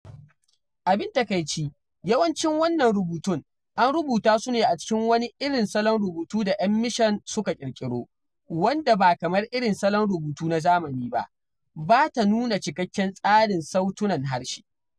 Abin takaici, yawancin wannan rubutun an rubuta su ne a cikin wani irin salon rubutu da 'yan mishan suka ƙirƙiro , wanda ba kamar irin salon rubutu na zamani ba, ba ta nuna cikakken tsarin sautunan harshe.